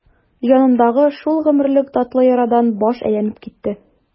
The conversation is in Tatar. Җанымдагы шул гомерлек татлы ярадан баш әйләнеп китте.